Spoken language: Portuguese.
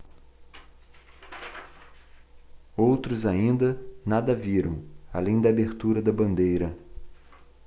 outros ainda nada viram além da abertura da bandeira